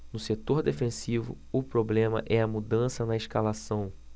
no setor defensivo o problema é a mudança na escalação